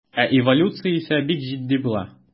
Ә эволюция исә бик җитди була.